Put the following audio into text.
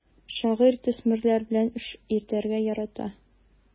Шагыйрь төсмерләр белән эш итәргә ярата.